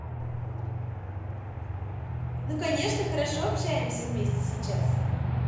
ну конечно хорошо общаемся вместе сейчас